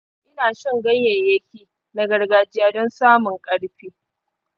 ina shan ganyayyaki na gargajiya don samun ƙarfi.